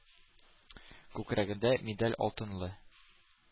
Күкрәгендә медаль алтынлы,